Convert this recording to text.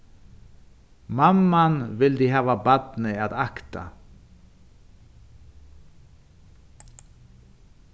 mamman vildi hava barnið at akta